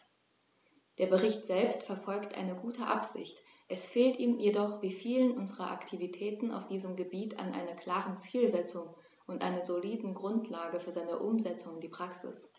Der Bericht selbst verfolgt eine gute Absicht, es fehlt ihm jedoch wie vielen unserer Aktivitäten auf diesem Gebiet an einer klaren Zielsetzung und einer soliden Grundlage für seine Umsetzung in die Praxis.